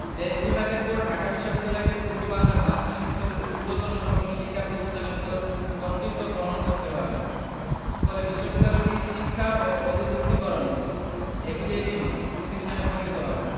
দেশ বিভাগের পর ঢাকা বিশ্ববিদ্যালয়কে পূর্ববাংলার মাধ্যমিক স্তরের ঊধ্বর্তন সকল শিক্ষা প্রতিষ্ঠানের ওপর কর্তৃত্ব গ্রহণ করতে হয় ফলে বিশ্ববিদ্যালয়টি শিক্ষা ও অধিভূক্তিকরণ এফিলিয়েটিং প্রতিষ্ঠানে পরিণত হয়